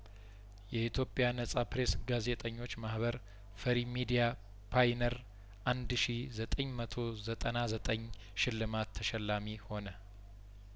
የኢትዮጵያ ነጻ ፐሬስ ጋዜጠኞች ማህበር ፈሪ ሚዲያ ፓይነር አንድ ሺ ዘጠኝ መቶ ዘጠና ዘጠኝ ሽልማት ተሸላሚ ሆነ